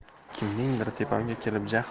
kimningdir tepamga kelib jahl